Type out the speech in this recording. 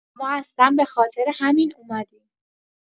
ما اصلا به‌خاطر همین اومدیم.